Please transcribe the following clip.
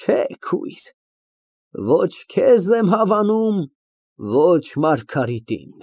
Չէ, քույր, ոչ քեզ եմ հավանում, ոչ Մարգարիտին։